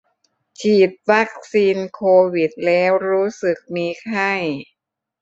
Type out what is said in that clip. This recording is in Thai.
ฉีดวัคซีนโควิดแล้วรู้สึกมีไข้